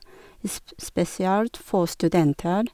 isp Spesielt for studenter.